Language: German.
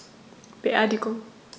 Beerdigung